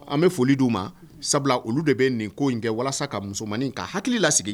An bɛ foli d di u ma sabula olu de bɛ nin ko in kɛ walasa ka musomanmaninin ka hakili lasigi